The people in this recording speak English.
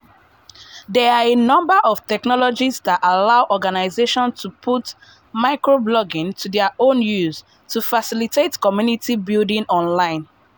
There are a number of technologies that allow organizations to put micro-blogging to their own use to facilitate community building online.